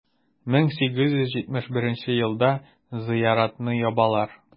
1871 елда зыяратны ябалар.